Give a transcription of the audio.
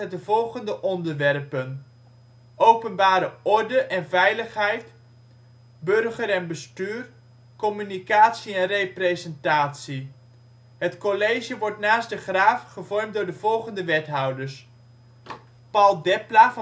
de volgende onderwerpen: openbare orde en veiligheid, burger en bestuur, communicatie en representatie. Het college wordt naast De Graaf gevormd door de volgende wethouders: Paul Depla